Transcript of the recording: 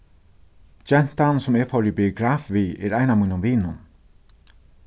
gentan sum eg fór í biograf við er ein av mínum vinum